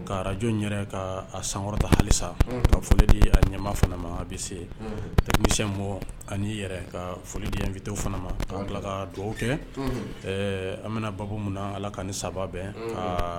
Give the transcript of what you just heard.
Ka radio yɛrɛ ka sankɔrɔta halisa ka foli di a ɲɛmaa fana ma ABC technicien ani i yɛrɛ ka foli di invité fana ma ka tila ka dugawu kɛ an bɛ na babu min Ala ka ani sababa bɛn